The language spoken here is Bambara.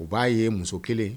U b'a ye muso kelen